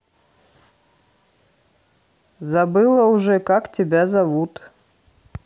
забыла уже как тебя зовут